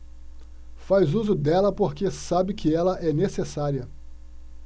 faz uso dela porque sabe que ela é necessária